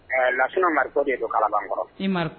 Ɛɛ lasfinina maritɔ de don kalaban kɔrɔ